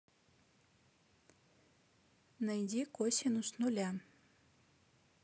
найди косинус нуля